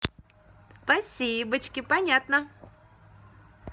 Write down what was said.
спасибочки понятно